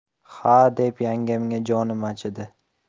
xa deb yangamga jonim achidi